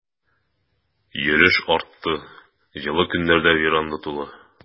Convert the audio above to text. Йөреш артты, җылы көннәрдә веранда тулы.